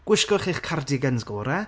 Gwishgwch eich cardigans gore,